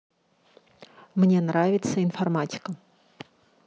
мне нравится информатика